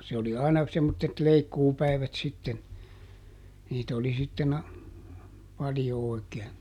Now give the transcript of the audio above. se oli aina semmoiset leikkuupäivät sitten niitä oli sitten - paljon oikein